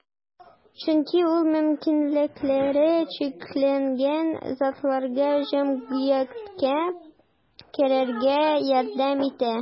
Чөнки ул мөмкинлекләре чикләнгән затларга җәмгыятькә керергә ярдәм итә.